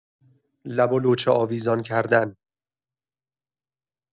لب ولوچه آویزان کردن